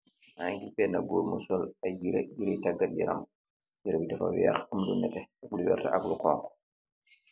Magi gis bena goor mogi sol ay yereh yui tagat yaram yereh bi dafa week am lu neteh lu wertah am lu xonxa.